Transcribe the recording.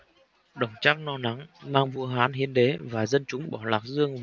đổng trác lo lắng mang vua hán hiến đế và dân chúng bỏ lạc dương